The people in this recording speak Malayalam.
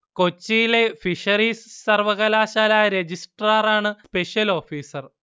കൊച്ചിയിലെ ഫിഷറീസ് സർവകലാശാല രജിസ്ട്രാറാണ് സ്പെഷ്യൽ ഓഫീസർ